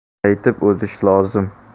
aytib o'tish lozim